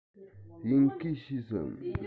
དབྱིན སྐད ཤེས སམ